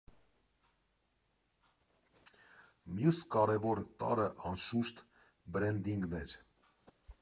Մյուս կարևոր տարրը, անշուշտ, բրենդինգն էր։